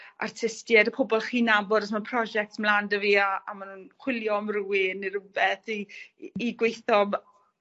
artistied a pobol chi'n nabod os ma' prosiect mlan 'da fi a a ma' nw'n chwilio am rywun n rwbeth i i gweitho my-...